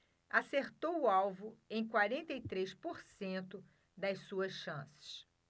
acertou o alvo em quarenta e três por cento das suas chances